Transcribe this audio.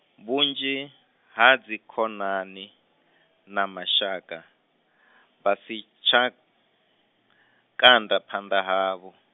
vhunzhi, ha dzi khonani, na mashaka, vhasi tsha, ka nda phanḓa havho.